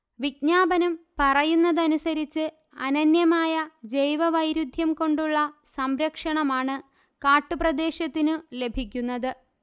വിജ്ഞാപനം പറയുന്നതനുസരിച്ച് അനന്യമായ ജൈവ വൈരുദ്ധ്യം കൊണ്ടുള്ള സംരക്ഷണമാണ് കാട്ടുപ്രദേശത്തിനു ലഭിക്കുന്നത്